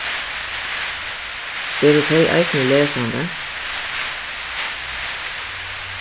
eru tey eisini lesandi